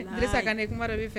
Bilisi ka nin kuma